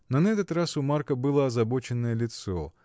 Но на этот раз у Марка было озабоченное лицо.